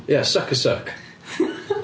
Ia suck a suck.